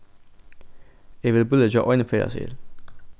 eg vil bíleggja ein ferðaseðil